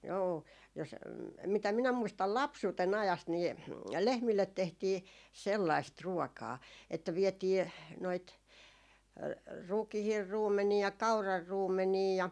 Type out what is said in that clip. joo jos mitä minä muistan lapsuuden ajasta niin lehmille tehtiin sellaista ruokaa että vietiin noita rukiin ruumenia kauran ruumenia ja